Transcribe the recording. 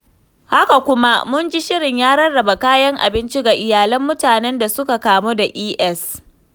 Haka kuma mun ji shirin ya rarraba kayan abinci ga iyalan mutanen da suka kamu da Es.